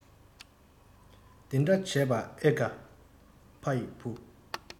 དེ འདྲ བྱས པ ཨེ དགའ ཨ ཡི བུ